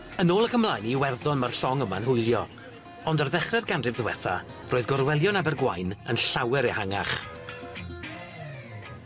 Yn ôl ac ymlaen i Iwerddon ma'r llong yma'n hwylio, ond ar ddechre'r ganrif ddiwetha, roedd gorwelion Abergwaun yn llawer ehangach.